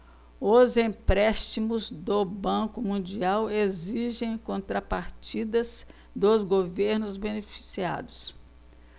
os empréstimos do banco mundial exigem contrapartidas dos governos beneficiados